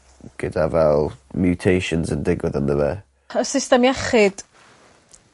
gyda fel mutations yn digwydd ynddo fe. Y system iechyd.